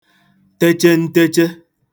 teche nteche